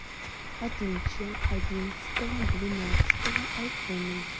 отличие одиннадцатого двенадцатого айфона